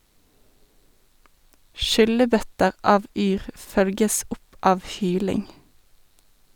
Skyllebøtter av yr følges opp av hyling.